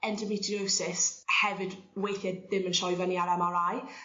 endometriosis hefyd weithie dim yn troi fyny ar Em Are Eye